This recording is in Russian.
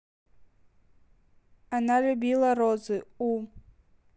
она любила розы у